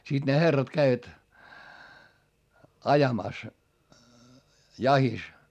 sitten ne herrat kävivät ajamassa jahdissa